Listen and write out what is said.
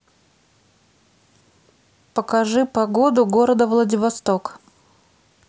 покажи погоду города владивосток